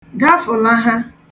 dafụ̀laha